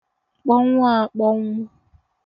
kpọnwụ akpọnwụ